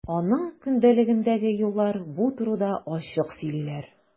Аның көндәлегендәге юллар бу турыда ачык сөйлиләр.